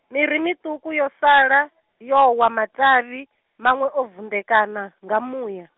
miri miṱuku yo sala, yo wa matavhi, manwe o vunḓekana, nga muya.